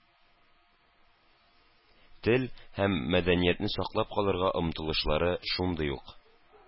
Тел һәм мәдәниятне саклап калырга омтылышлары шундый ук.